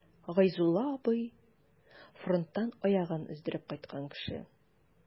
Гайзулла абый— фронттан аягын өздереп кайткан кеше.